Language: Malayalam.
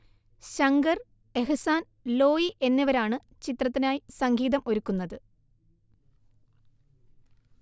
ശങ്കർ, എഹ്സാൻ, ലോയ് എന്നിവരാണ് ചിത്രത്തിനായി സംഗീതം ഒരുക്കുന്നത്